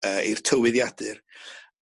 yy i'r tywyddiadur.